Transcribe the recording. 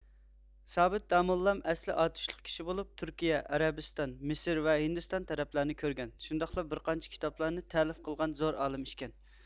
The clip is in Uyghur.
سابىت داموللام ئەسلى ئاتۇشلۇق كىشى بولۇپ تۈركىيە ئەرەبىستان مىسىر ۋە ھىندىستان تەرەپلەرنى كۆرگەن شۇنداقلا بىر قانچە كىتابلارنى تەلىف قىلغان زور ئالىم ئىكەن